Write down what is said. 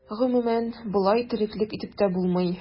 Гомумән, болай тереклек итеп тә булмый.